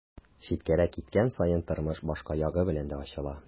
Читкәрәк киткән саен тормыш башка ягы белән дә ачыла.